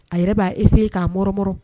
A yɛrɛ b'a essayer k'a mɔrɔnmɔrɔn